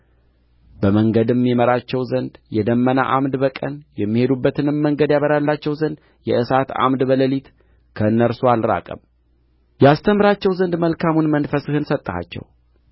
በመንገድም ይመራቸው ዘንድ የደመና ዓምድ በቀን የሚሄዱበትንም መንገድ ያበራላቸው ዘንድ የእሳት ዓምድ በሌሊት ከእነርሱ አልራቀም ያስተምራቸውም ዘንድ መልካሙን መንፈስህን ሰጠሃቸው